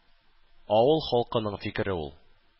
Авыл халкының фикере ул.